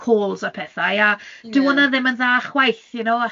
calls a pethau, a dyw hwnna ddim yn dda chwaith, you